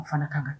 O fana kan kan